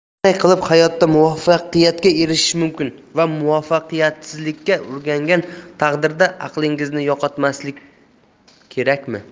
qanday qilib hayotda muvaffaqiyatga erishish mumkin va muvaffaqiyatsizlikka uchragan taqdirda aqlingizni yo'qotmaslik kerakmi